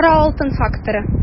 Кара алтын факторы